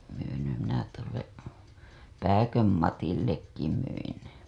myinhän minä tuolle Pääkön Matillekin myin